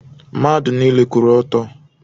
Mmadụ niile, kwụrụ ọtọ!